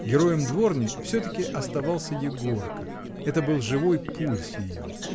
Героем дворни все-таки оставался Егорка: это был живой пульс ее.